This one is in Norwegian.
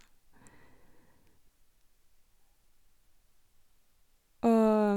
Og...